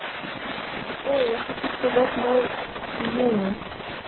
ой я хочу сказать my июня